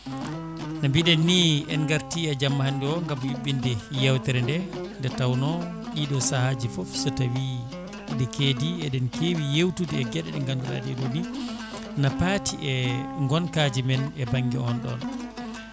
no mbiɗenni en garti e jamma hande o gaam yuɓɓinde yewtere nde nde tawno ɗiɗo saahaji foof so tawi ɗi keedi eɗen kewi yewtude e gueɗe ɗe ganduɗa ɗe ɗo ni na paati e gonkaji men e banggue on ɗon